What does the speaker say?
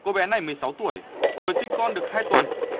cô bé này mười sáu tuổi vừa sinh con được hai tuần